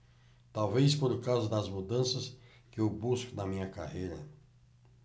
talvez por causa das mudanças que eu busco na minha carreira